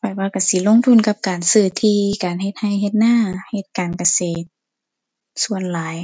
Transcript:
ข้อยว่าก็สิลงทุนกับการซื้อที่ การเฮ็ดก็เฮ็ดนา เฮ็ดการเกษตรส่วนหลาย